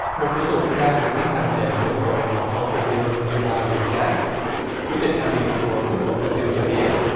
một thủ tục đang được tiến hành để luận tội tổng thống brazil dilma râu xép chủ tịch hạ viện của quốc hội phải dìu cho biết